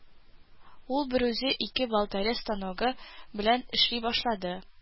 Ул берүзе ике болторез станогы белән эшли башлады